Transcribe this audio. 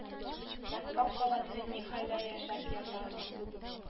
Мәскәү каласы ни хәлдә яшәп ята соң